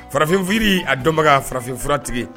Farafinfiri, a dɔnbaga farafinfura tigi.